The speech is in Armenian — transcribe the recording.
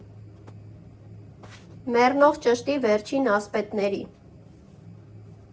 Մեռնող ճշտի վերջին ասպետների։